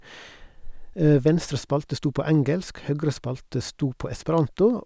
Venstre spalte stod på engelsk, høgre spalte stod på esperanto.